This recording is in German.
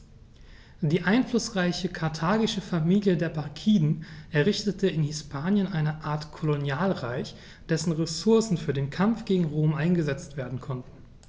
Die einflussreiche karthagische Familie der Barkiden errichtete in Hispanien eine Art Kolonialreich, dessen Ressourcen für den Kampf gegen Rom eingesetzt werden konnten.